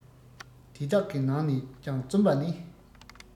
དེ དག གི ནང ནས ཀྱང རྩོམ པ ནི